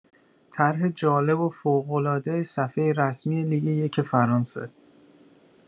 طرح جالب و فوق‌العاده صفحه رسمی لیگ یک فرانسه